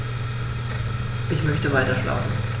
Ich möchte weiterschlafen.